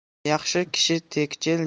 yaxshi kishi tegchil